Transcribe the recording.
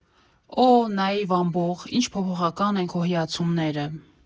Օ՜, նաիվ ամբոխ, ինչ փոփոխական են քո հիացումները։